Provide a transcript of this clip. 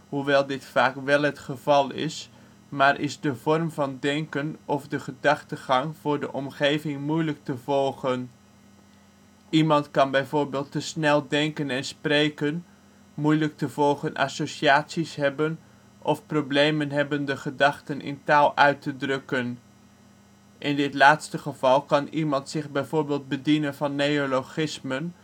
hoewel dit vaak wel het geval is), maar is de vorm van denken of de gedachtegang voor de omgeving moeilijk te volgen. Iemand kan bijvoorbeeld te snel denken en spreken, moeilijk te volgen associaties hebben of problemen hebben de gedachten in taal uit te drukken. In dit laatste geval kan iemand zich bijvoorbeeld bedienen van neologismen